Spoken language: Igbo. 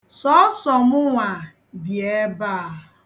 Sọọsọ mụnwa bi ebe a.